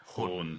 hwn.